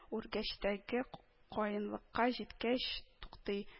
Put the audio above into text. Үркәчтәге каенлыкка җиткәйч туктый